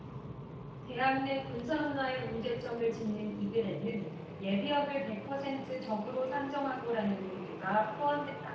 대학 내 군사 문화의 문제점을 짚는 이 글에는 예비역을 백 퍼센트 적으로 상정하고라는 문구가 포함돼 있었다